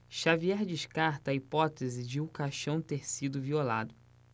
xavier descarta a hipótese de o caixão ter sido violado